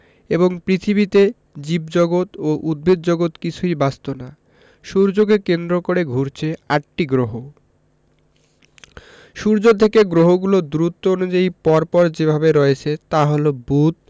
এবং পৃথিবীতে জীবজগত ও উদ্ভিদজগৎ কিছুই বাঁচত না সূর্যকে কেন্দ্র করে ঘুরছে আটটি গ্রহ সূর্য থেকে গ্রহগুলো দূরত্ব অনুযায়ী পর পর যেভাবে রয়েছে তা হলো বুধ